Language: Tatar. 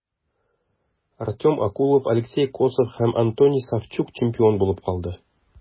Артем Окулов, Алексей Косов һәм Антоний Савчук чемпион булып калды.